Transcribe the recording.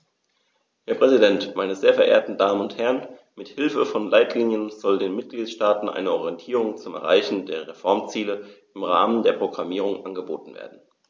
Herr Präsident, meine sehr verehrten Damen und Herren, mit Hilfe von Leitlinien soll den Mitgliedstaaten eine Orientierung zum Erreichen der Reformziele im Rahmen der Programmierung angeboten werden.